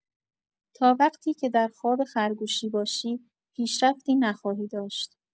تا وقتی که در خواب خرگوشی باشی، پیشرفتی نخواهی داشت.